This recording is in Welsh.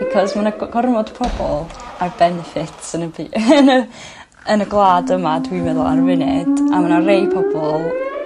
because ma' 'na go- gormod o pobol ar benefits yn y by- yn y gwlad yma dwi'n meddwl ar y funud a ma' 'na rei pobol